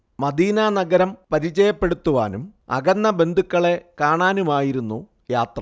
Medina നഗരം പരിചയപ്പെടുത്തുവാനും അകന്ന ബന്ധുക്കളെ കാണാനുമായിരുന്നു യാത്ര